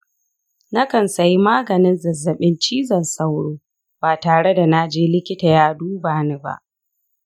nakan sayi maganin zazzabin cizon sauro ba tareda na je likita ya duba ni ba.